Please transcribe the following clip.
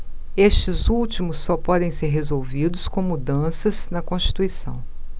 estes últimos só podem ser resolvidos com mudanças na constituição